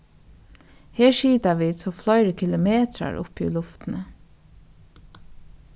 her sita vit so fleiri kilometrar uppi í luftini